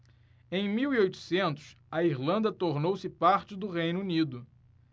em mil e oitocentos a irlanda tornou-se parte do reino unido